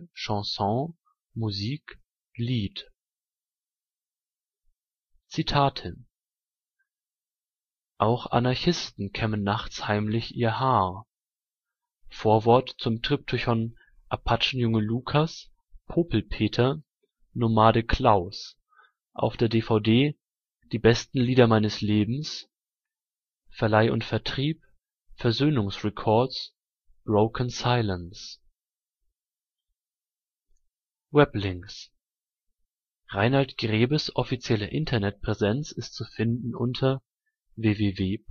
Chanson/Musik/Lied